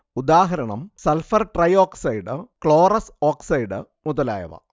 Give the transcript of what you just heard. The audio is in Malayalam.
ഉദാഹരണം സൾഫർ ട്രൈഓക്സൈഡ് ക്ലോറസ് ഓക്സൈഡ് മുതലായവ